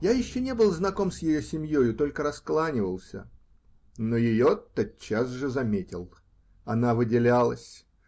Я еще не был знаком с ее семьею, только раскланивался, но ее тотчас же заметил. Она выделялась.